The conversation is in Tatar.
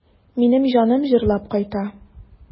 Минем җаным җырлап кайта.